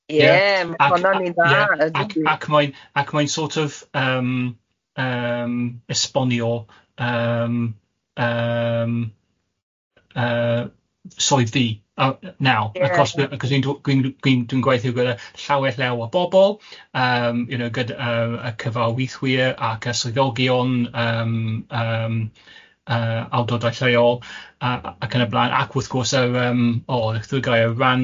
Ie, mae honna'n un dda... Ac ac ac mae'n ac mae'n sort of yym yym esbonio yym yym yy swydd fi yy nawr, achos achos dwi'n dwi'n dwi'n dwi'n gwaithio gyda llawer llawer o bobl, yym you know gyda yy y cyfarwythwyr ac y swyddogion yym yym yy awdododau lleol ac yn y blaen, ac wrth gwrs yr yym o beth yw gair rhan-